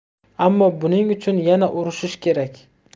ammo buning uchun yana urushish kerak